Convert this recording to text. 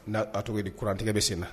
N'a a tɔgɔ kurantigɛ bɛ sen na